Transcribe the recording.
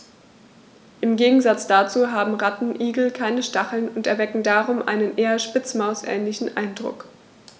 Im Gegensatz dazu haben Rattenigel keine Stacheln und erwecken darum einen eher Spitzmaus-ähnlichen Eindruck.